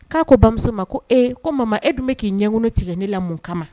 K'a ko bamuso ma ko e ko mama e dun be k'i ɲɛŋunu tigɛ ne la mun kama